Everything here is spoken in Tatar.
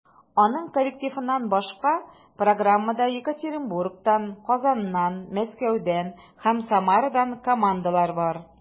Аның коллективыннан башка, программада Екатеринбургтан, Казаннан, Мәскәүдән һәм Самарадан командалар бар.